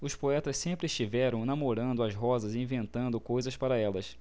os poetas sempre estiveram namorando as rosas e inventando coisas para elas